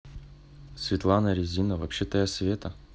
светлана разина вообще то я света